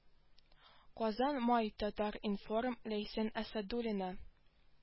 Казан май татар-информ ләйсән әсәдуллина